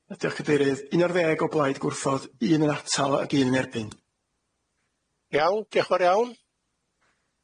Diolch cadeirydd, un ar ddeg o blaid gwrthod un yn atal ag un yn erbyn. Iawn diolch yn fawr iawn.